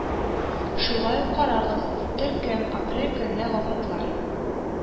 Шулай ук карагыз: Төркем: апрель көнне вафатлар